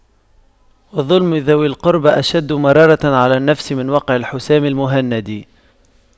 وَظُلْمُ ذوي القربى أشد مرارة على النفس من وقع الحسام المهند